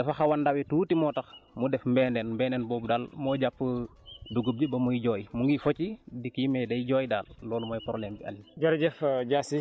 mais daal dafa xaw a ndaw tuuti moo tax mu def boobu daal moo jàpp dugub bi ba muy jooy mu ngi focc di kii mais day jooy daal loolu mooy problème bi Aliou